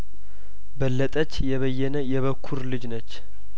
በለጠች የበየነ የበኩር ልጅነች